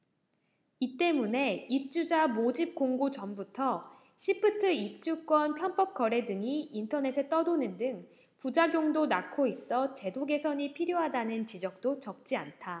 이 때문에 입주자 모집공고 전부터 시프트 입주권 편법 거래 등이 인터넷에 떠도는 등 부작용도 낳고 있어 제도 개선이 필요하다는 지적도 적지 않다